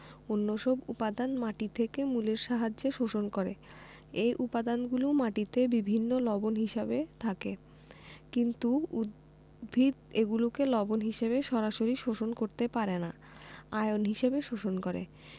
অন্যসব উপাদান মাটি থেকে মূলের সাহায্যে শোষণ করে এ উপাদানগুলো মাটিতে বিভিন্ন লবণ হিসেবে থাকে কিন্তু উদ্ভিদ এগুলোকে লবণ হিসেবে সরাসরি শোষণ করতে পারে না আয়ন হিসেবে শোষণ করে